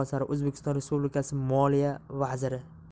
o'rinbosari o'zbekiston respublikasi moliya vaziri